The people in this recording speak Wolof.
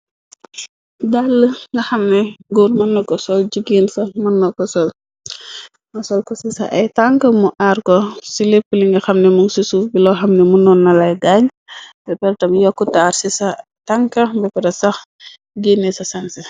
Dalla yi nga xamne gór mën na ko sol jigeen sax mën na ko sol, nga sol ko ci sa ay tanka mu aar ko ci lépu li nga xamneh mun ci suuf bi lo xamanteh mun na lay gaañ, be pareh tam yokku taar ci sa tanka be pareh sax génné ca sanseh.